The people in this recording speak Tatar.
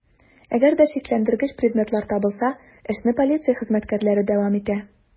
Әгәр дә шикләндергеч предметлар табылса, эшне полиция хезмәткәрләре дәвам итә.